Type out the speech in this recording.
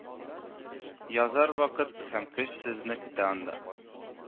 Язар вакыт һәм көч сезне көтә анда